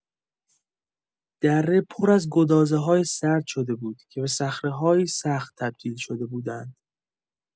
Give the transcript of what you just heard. دره پر از گدازه‌های سرد شده بود که به صخره‌هایی سخت تبدیل شده بودند.